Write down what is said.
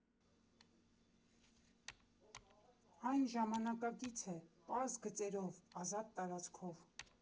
Այն ժամանակակից է՝ պարզ գծերով, ազատ տարածքով։